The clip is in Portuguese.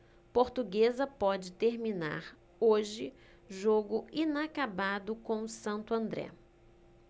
portuguesa pode terminar hoje jogo inacabado com o santo andré